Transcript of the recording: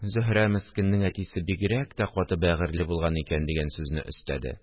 – зөһрә мескеннең әтисе бигрәк тә каты бәгырьле булган икән! – дигән сүзне өстәде